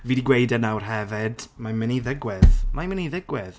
Fi 'di gweud e nawr hefyd. Mae'n mynd i ddigwydd. Mae'n mynd i ddigwydd.